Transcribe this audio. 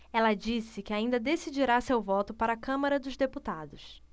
ela disse que ainda decidirá seu voto para a câmara dos deputados